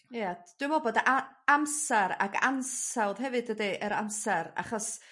Ia dwi me'wl bod a- amsar ag ansawdd hefyd dydi yr amser achos